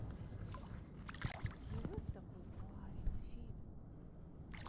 живет такой парень фильм